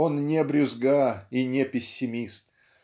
Он не брюзга и не пессимист.